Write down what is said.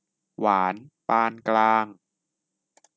หวานปานกลาง